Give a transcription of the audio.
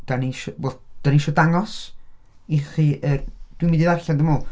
Dan ni isio... wel dan ni eisiau dangos i chi yr... Dwi'n mynd i ddarllen dwi'n meddwl.